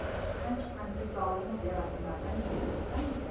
qancha qancha zolimu berahmlardan kelib chiqdimikin